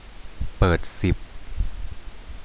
เปิดสิบ